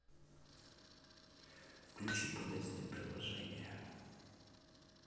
включи полезные приложения